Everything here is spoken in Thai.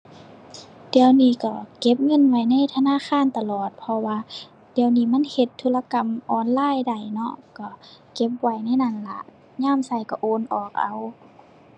เดี๋ยวนี้ก็เก็บเงินไว้ในธนาคารตลอด เพราะว่าเดี๋ยวนี้มันเฮ็ดธุรกรรมออนไลน์ได้เนาะ ก็เก็บไว้ในนั้นล่ะ ยามก็ก็โอนออกเอา